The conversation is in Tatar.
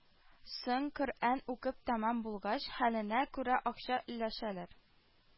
Соң, коръән укып тәмам булгач, хәленә күрә акча өләшәләр